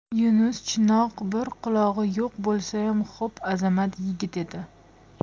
yunus chinoq bir qulog'i yo'q bo'lsayam xo'p azamat yigit edi